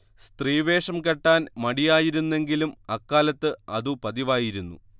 സ്ത്രീവേഷം കെട്ടാൻ മടിയായിരുന്നെങ്കിലും അക്കാലത്ത് അതു പതിവായിരുന്നു